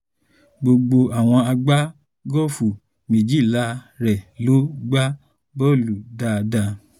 Gbogbo àwọn agbágọ́ọ̀fù 12 rẹ̀ lò gbá bọ́ọ̀lù dáadáa.